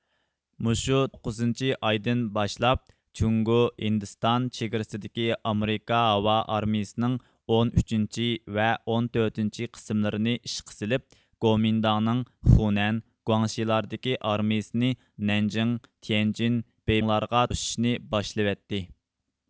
مۇشۇ توققۇزىنچى ئايدىن باشلاپ جۇڭگو ھىندىستان چېگرىسىدىكى ئامېرىكا ھاۋا ئارمىيىسىنىڭ ئون ئۈچىنچى ۋە ئون تۆتىنچى قىسىملىرىنى ئىشقا سېلىپ گومىنداڭنىڭ خۇنەن گۇاڭشىلاردىكى ئارمىيىسىنى نەنجىڭ تيەنجىن بېيپىڭلارغا توشۇشنى باشلىۋەتتى